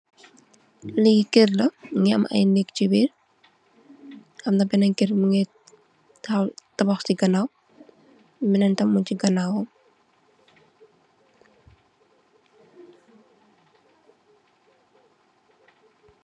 Li kër la mungi am ay néeg ci biir, amna benen kër mungè tabah ci ganaaw, benen tam mung ci ganaawam.